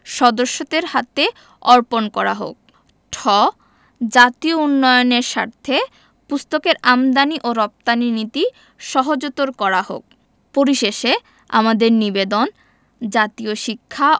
সদস্যদের হাতে অর্পণ করা হোক ঠ জাতীয় উন্নয়নের স্বার্থে পুস্তকের আমদানী ও রপ্তানী নীতি সহজতর করা হোক পরিশেষে আমাদের নিবেদন জাতীয় শিক্ষা